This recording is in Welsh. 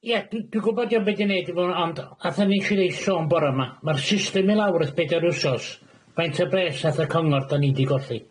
Wel, ia, dwi dwi gwbod dio'm byd i neud efo ond fatha nath rei chi sôn bora 'ma ma'r system i lawr e's bedair wsos faint o bres nath y cyngor - 'da ni 'di golli?